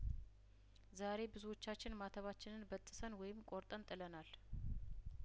ዛሬ ብዙዎቻችን ማተባችንን በጥሰን ወይም ቆርጠን ጥለናል